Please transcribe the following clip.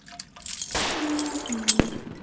слов нет